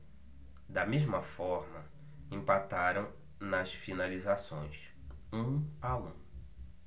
da mesma forma empataram nas finalizações um a um